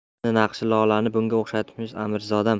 siz naqshi lolani bunga o'xshatmishsiz amirzodam